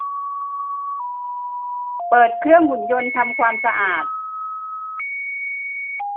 เปิดเครื่องหุ่นยนต์ทำความสะอาด